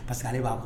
Parce que ale b'a